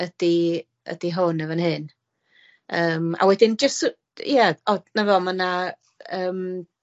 ydi ydi hwn yn fan hyn yym a wedyn jys so... yym ia o- 'na fo ma' 'na yym